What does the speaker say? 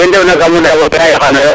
we ndef na kam na yaqano yo